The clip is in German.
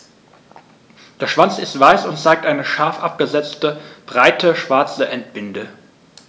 Der Schwanz ist weiß und zeigt eine scharf abgesetzte, breite schwarze Endbinde.